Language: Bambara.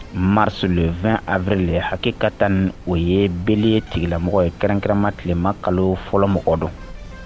Marislen2 ame hakɛ ka taa ni o ye bele ye tigɛlamɔgɔ ye kɛrɛnkɛrɛnma tilema kalo fɔlɔ mɔgɔ dɔn